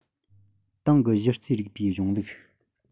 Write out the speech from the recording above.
ཏང གི གཞི རྩའི རིགས པའི གཞུང ལུགས